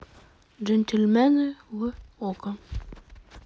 джентльмены в окко